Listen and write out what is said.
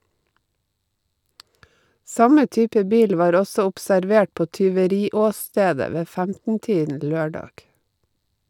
Samme type bil var også observert på tyveriåstedet ved 15-tiden lørdag.